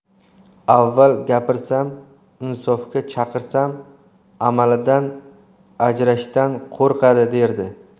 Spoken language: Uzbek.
avval gapirsam insofga chaqirsam amalidan ajrashdan qo'rqadi derdi